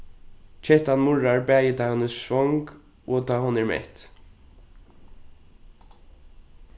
kettan murrar bæði tá hon er svong og tá hon er mett